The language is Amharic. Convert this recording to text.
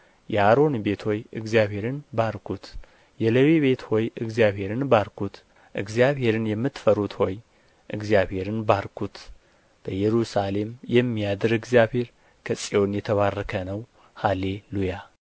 የአሮን ቤት ሆይ እግዚአብሔርን ባርኩት የሌዊ ቤት ሆይ እግዚአብሔርን ባርኩት እግዚአብሔርን የምትፈሩት ሆይ እግዚአብሔርን ባርኩት በኢየሩሳሌም የሚያድር እግዚአብሔር ከጽዮን የተባረከ ነው ሃሌ ሉያ